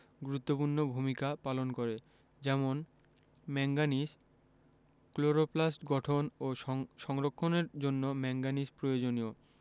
গুরুত্বপূর্ণ ভূমিকা পালন করে যেমন ম্যাংগানিজ ক্লোরোপ্লাস্ট গঠন ও সং সংরক্ষণের জন্য ম্যাংগানিজ প্রয়োজনীয়